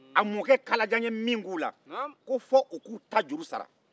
a mɔkɛ kalajan ye min k'u la ko fɔ u k'u ta juru sara